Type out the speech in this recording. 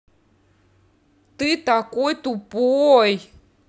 ты такой тупой